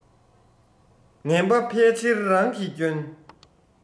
ངན པ ཕལ ཆེར རང གི སྐྱོན